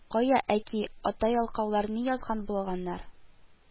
Кая, әки, ата ялкаулар ни язган булганнар